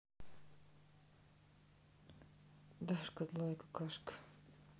дашка злая какашка